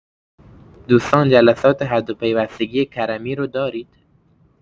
دوستان جلسات حد و پیوستگی کرمی رو دارید؟